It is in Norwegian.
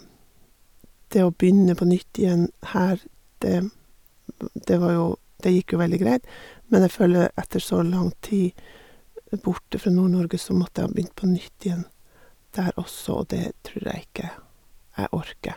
Det å begynne på nytt igjen her, det det var jo det gikk jo veldig greit Men jeg føler etter så lang tid borte fra Nord-Norge så måtte jeg ha begynt på nytt igjen der også, og det tror jeg ikke jeg orker.